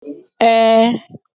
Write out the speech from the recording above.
ẹẹ